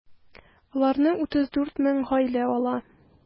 Аларны 34 мең гаилә ала.